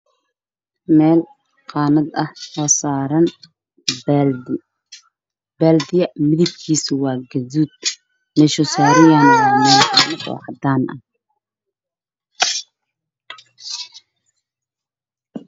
Meel qaanada ah oo saaran baaldi baaldiga midabkiisa waa gaduud meeshuu saaran yahayna waa caddaan